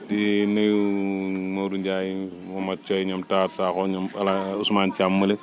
di nuyu Modou Ndiaye moom ak Thioye ñoom Sakho ñoom Ousmane Thiam mële